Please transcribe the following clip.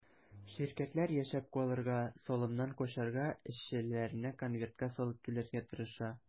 Ширкәтләр яшәп калырга, салымнан качарга, эшчеләренә конвертка салып түләргә тырыша.